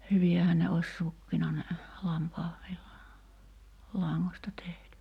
hyviähän ne olisi sukkina ne - lampaanvillalangasta tehty